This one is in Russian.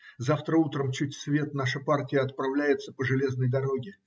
Завтра утром, чуть свет, наша партия отправляется по железной дороге.